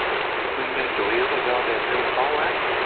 nguyên nhân chủ yếu là do đề thi khó quá